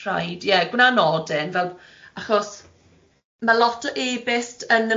rhaid ie gwna nodyn fel- achos ma' lot o e-byst yn y mewnflwch